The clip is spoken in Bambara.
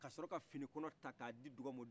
ka sɔrɔ ka fini kɔrɔ ta k' a di duga ma